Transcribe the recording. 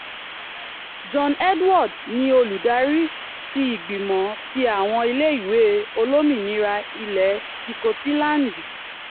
John Edward ni Olùdarí ti Ìgbìmọ̀ ti Àwọn Ilé ìwé Olómìnira Ilẹ Sikotilandi